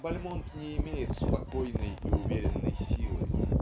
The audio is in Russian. Бальмонт не имеет спокойной и уверенной силы